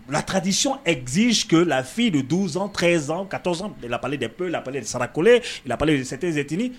Bilatadisic ɛzeur lafi don donso kɛsan ka tɔn lapli de pe laple de sara kole laple desɛteetini